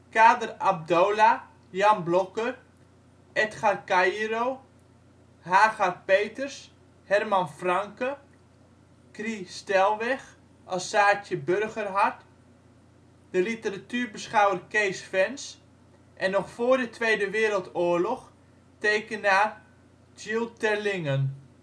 Kader Abdolah, Jan Blokker, Edgar Cairo, Hagar Peeters, Herman Franke, Cri Stellweg als Saartje Burgerhardt, de literatuurbeschouwer Kees Fens en nog vóór de Tweede Wereldoorlog tekenaar Jul. Terlingen